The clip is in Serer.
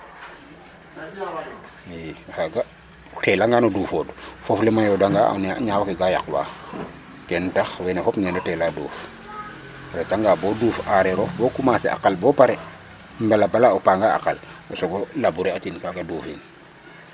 II kaga o telangaan n o duufood foof le mayoodanga o ñaaw ke ga yaqwa ken tax wene fop nee no teelaa duuf o retangaa bo duuf aareerof bo commencer a qol bo pare mbala bala po pangaa qal o soog o labourer atin kaaga duufin .